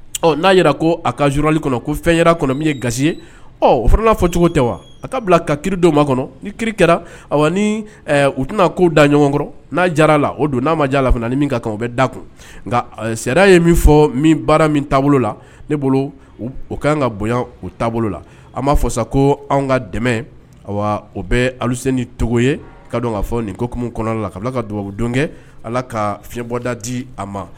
N'a yɛrɛ ko a kali kɔnɔ ko fɛn yɛrɛ kɔnɔ min ye ga ye o fɔra n'a fɔ cogo tɛ wa a ka bila ka ki dɔw ma kɔnɔ ni ki kɛra u tɛna ko da ɲɔgɔnkɔrɔ n'a jara la o don n'a ma jira la min ka kan u bɛ da kun nka sariya ye min fɔ min baara min taabolo la ne ka kan ka bonya u taabolo la a maa fɔsa ko an ka dɛmɛ o bɛ sen ni togo ye ka don ka fɔ nin kokumu kɔnɔ la ka ka dubabu don kɛ ala ka fiɲɛ bɔda di a ma